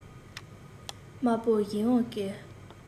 དམར པོ བཞིན ཨང ཀིས